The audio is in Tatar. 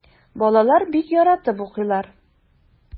Балалар бик яратып укыйлар.